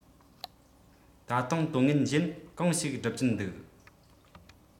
ད དུང དོན ངན གཞན གང ཞིག སྒྲུབ ཀྱིན འདུག